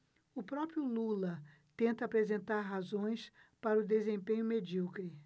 o próprio lula tenta apresentar razões para o desempenho medíocre